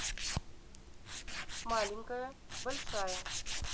маленькая большая